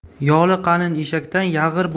yoli qalin eshakdan yag'ir